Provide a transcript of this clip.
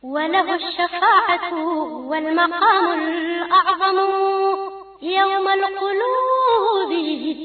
Waku wa ɲama